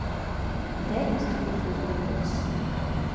дай инструкцию sberbox